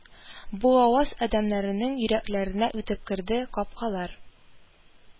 Бу аваз адәмнәрнең йөрәкләренә үтеп керде, капкалар